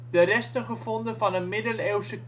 de resten gevonden van een middeleeuwse